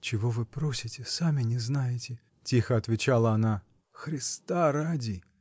— Чего вы просите, сами не знаете. — тихо отвечала она. — Христа ради!